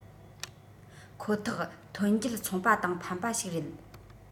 ཁོ ཐག ཐོན འབྱེད ཚོང པ དང ཕན པ ཞིག རེད